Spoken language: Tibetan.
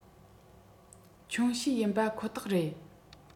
ཆུང ཤོས ཡིན པ ཁོ ཐག རེད